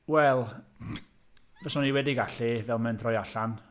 Wel fyswn i wedi gallu, fel mae'n troi allan.